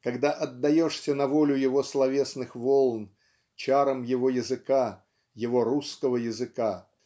когда отдаешься на волю его словесных волн чарам его языка его русского языка